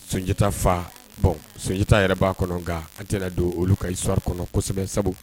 Sunjata fa bon Sunjata yɛrɛ b'a kɔnɔ nka an tena don olu ka histoire kɔnɔ kosɛbɛ sabu